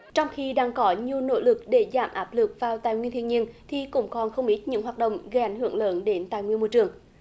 trong khi đang có nhiều nỗ lực để giảm áp lực vào tài nguyên thiên nhiên thì cũng còn không ít những hoạt động gây ảnh hưởng lớn đến tài nguyên môi trường